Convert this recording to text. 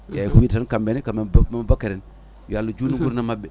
eyyi ko wiide tan kamɓene kamɓe ɗum * yo Allah jutnu gurdam mabɓe